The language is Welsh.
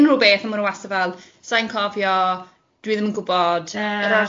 unrhyw beth, a maen nhw wastad fel sa i'n cofio, dwi ddim yn gwybod... Ie